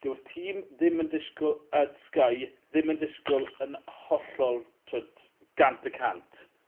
Dyw'r tîm ddim yn disgw- yy Sky ddim yn disgwl yn hollol t'wod gant y cant.